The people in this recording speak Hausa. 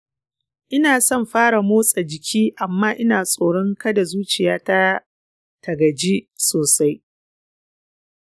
ina son fara motsa jiki amma ina tsoron kada zuciyata ta gaji sosai.